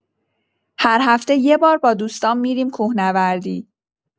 هر هفته یه بار با دوستام می‌ریم کوه‌نوردی.